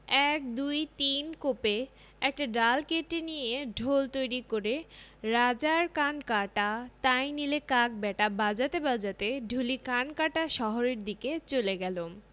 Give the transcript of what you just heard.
এক দুই তিন কোপে একটা ডাল কেটে নিয়ে ঢোল তৈরি করে ‘রাজার কান কাটা তাই নিলে কাক ব্যাটা বাজাতে বাজাতে ঢুলি কানকাটা শহরের দিকে চলে গেল